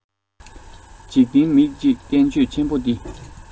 འཇིག རྟེན མིག གཅིག བསྟན བཅོས ཆེན པོ འདི